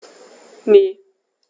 Ne.